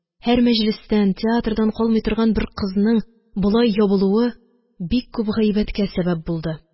Һәр мәҗлестән, театрдан калмый торган бер кызның болай ябылуы бик күп гайбәткә сәбәп булды.